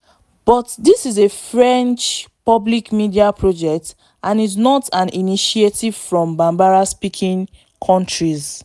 But this is a French public media project and not an initiative from Bambara speaking countries.